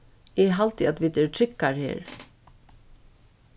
eg haldi at vit eru tryggar her